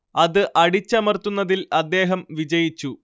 അത് അടിച്ചമർത്തുന്നതിൽ അദ്ദേഹം വിജയിച്ചു